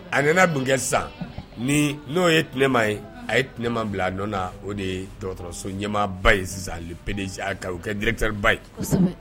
A nana mun kɛ sisan ni n'o ye Tinɛma ye a ye tinɛma bila a nɔ na, o de ye dɔgɔtɔrɔso ɲɛmaaba ye sisan PDG, o kɛ directeur ba ye.